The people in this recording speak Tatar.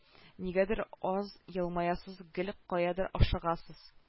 Нигәдер аз елмаясыз гел каядыр ашыгасыз